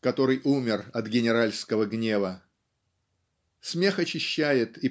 который умер от генеральского гнева Смех очищает